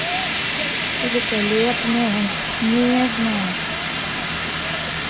великолепное нежное